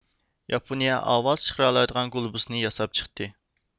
ياپونىيە ئاۋاز چىقىرالايدىغان گولوبۇسنى ياساپ چىقتى